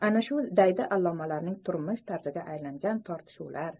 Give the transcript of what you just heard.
ana shu daydi allomalarning turmush tarziga aylangan tortishuvlar